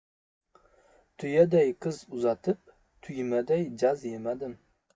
tuyaday qiz uzatib tugmaday jaz yemadim